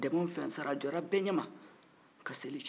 dɛbɛnw fɛnsɛnra a jɔra bɛɛ ɲɛma ka seli jɔ